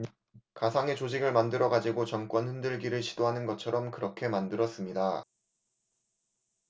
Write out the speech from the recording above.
가상의 조직을 만들어 가지고 정권 흔들기를 시도하는 것처럼 그렇게 만들었습니다